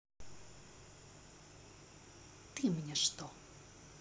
ты мне что